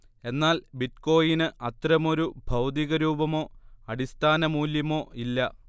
എന്നാൽ ബിറ്റ്കോയിന് അത്തരമൊരു ഭൗതികരൂപമോ അടിസ്ഥാന മൂല്യമോയില്ല